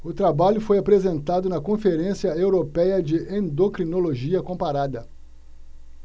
o trabalho foi apresentado na conferência européia de endocrinologia comparada